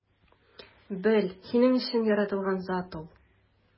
Бел: синең өчен яратылган зат ул!